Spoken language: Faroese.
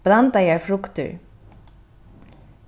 blandaðar fruktir